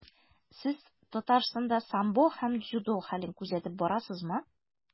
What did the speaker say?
Сез Татарстанда самбо һәм дзюдо хәлен күзәтеп барасызмы?